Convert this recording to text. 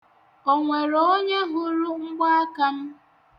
Onwere onye hụrụ mgbaaka m?